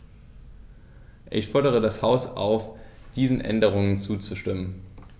Ich fordere das Haus auf, diesen Änderungen zuzustimmen.